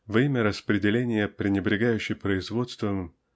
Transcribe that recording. во имя распределения пренебрегающий производством